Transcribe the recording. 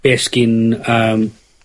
be' sgin yym...